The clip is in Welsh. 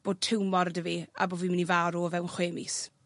bod tiwmor 'da fi a bo' fi myn' i farw o fewn chwe mis.